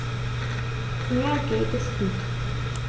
Mir geht es gut.